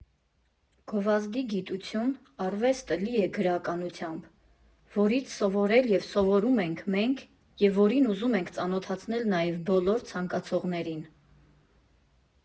Գովազդի գիտություն֊արվեստը լի է գրականությամբ, որից սովորել և սովորում ենք մենք և որին ուզում ենք ծանոթացնել նաև բոլոր ցանկացողներին։